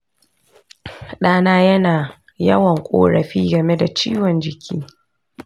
ɗana yana yawan korafi game da ciwon jiki.